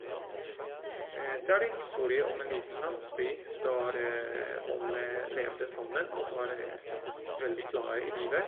Det er en historie om en liten landsby der alle levde sammen og var veldig glade i livet.